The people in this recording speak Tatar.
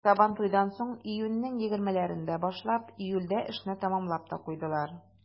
Сабантуйдан соң, июньнең 20-ләрендә башлап, июльдә эшне тәмамлап та куйдылар.